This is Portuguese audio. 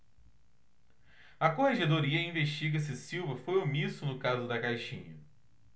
a corregedoria investiga se silva foi omisso no caso da caixinha